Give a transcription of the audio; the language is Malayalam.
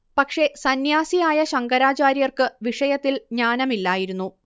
പക്ഷേ സന്ന്യാസിയായ ശങ്കരാചാര്യർക്ക് വിഷയത്തിൽ ജ്ഞാനമില്ലായിരുന്നു